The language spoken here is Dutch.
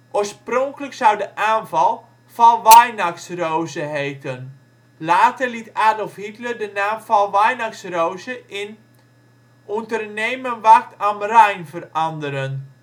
Oorspronkelijk zou de aanval Fall Weihnachtsrose heten. Later liet Adolf Hitler de naam Fall Weihnachtsrose in " Unternehmen Wacht am Rhein " veranderen